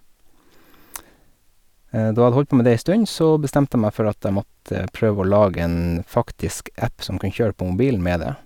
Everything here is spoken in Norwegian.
Da jeg hadde holdt på med det ei stund, så bestemte jeg meg for at jeg måtte prøve å lage en faktisk app som kan kjøre på mobilen med det.